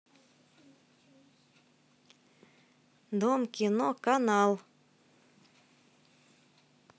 дом кино канал